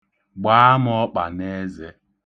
Gbaa m okpa n'eze!